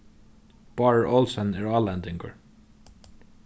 bárður olsen er álendingur